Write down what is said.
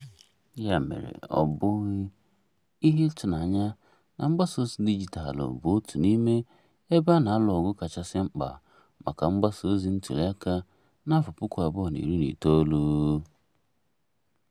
Ya mere, ọ bụghị ihe ịtụnanya na mgbasa ozi dijitalụ bụ otu n'ime ebe a na-alụ ọgụ kachasị mkpa maka mgasa ozi ntụliaka na 2019.